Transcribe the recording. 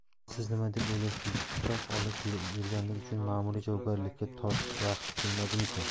siz nima deb o'ylaysiz pichoq olib yurganlik uchun ma'muriy javobgarlikka tortish vaqti kelmadimikan